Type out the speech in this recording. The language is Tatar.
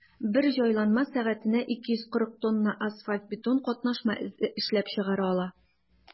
Бер җайланма сәгатенә 240 тонна асфальт–бетон катнашма эшләп чыгара ала.